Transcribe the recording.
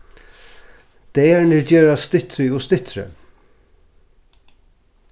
dagarnir gerast styttri og styttri